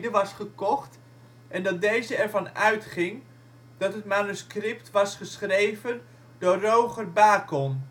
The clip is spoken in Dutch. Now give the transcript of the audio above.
was gekocht en dat deze ervan uitging dat het manuscript was geschreven door Roger Bacon